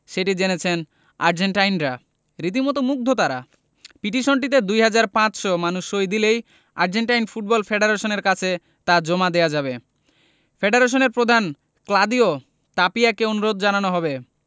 সেটি জেনেছেন আর্জেন্টাইনরা রীতিমতো মুগ্ধ তাঁরা পিটিশনটিতে ২ হাজার ৫০০ মানুষ সই দিলেই আর্জেন্টাইন ফুটবল ফেডারেশনের কাছে তা জমা দেওয়া হবে ফেডারেশনের প্রধান ক্লদিও তাপিয়াকে অনুরোধ জানানো হবে